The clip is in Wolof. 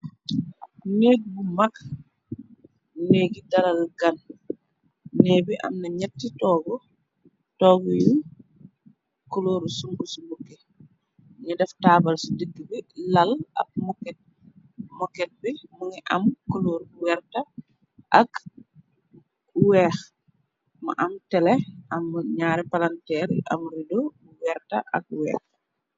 neeg bu mag neegi dalal gan neeg bi am na ñetti o toogu yu kulooru sumk ci bukke ñu daf taabal ci dikk bi lal ak moket bi mu nga am koloor werta ak weex mu am tele am ñaare palanteer yu am rido bu werta ak weex